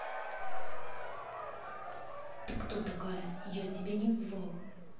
ты кто такая я тебя не звал